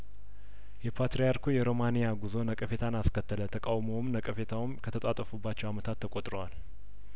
የፓትርያርኩ የሮማን ያጉዞ ነቀፌታን አስከተለ ተቃውሞውም ነቀፌታውም ከተጧጧፉባቸው አመታት ተቆጥረዋል